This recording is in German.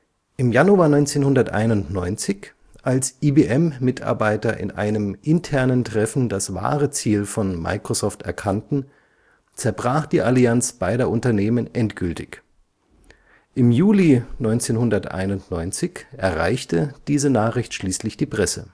Im Januar 1991, als IBM-Mitarbeiter in einem internen Treffen das wahre Ziel von Microsoft erkannten, zerbrach die Allianz beider Unternehmen endgültig. Im Juli 1991 erreichte diese Nachricht schließlich die Presse